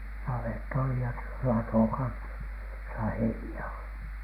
navetta oli ja - lato kanssa jossa heiniä oli